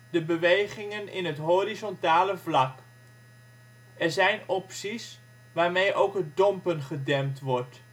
de bewegingen in het horizontale vlak. Er zijn opties waarmee de heave gedempt wordt